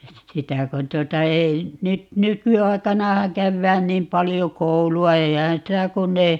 sitä kun tuota ei nyt nykyaikanahan käydään niin paljon koulua eihän sitä kun ei